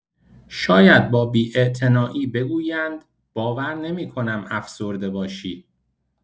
شاید با بی‌اعتنایی بگویند: باور نمی‌کنم افسرده باشی.